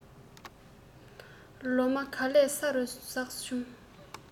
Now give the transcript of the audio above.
ལོ མ ག ལེར ས རུ ཟགས བྱུང